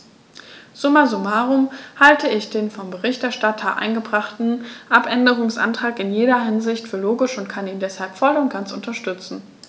Summa summarum halte ich den von dem Berichterstatter eingebrachten Abänderungsantrag in jeder Hinsicht für logisch und kann ihn deshalb voll und ganz unterstützen.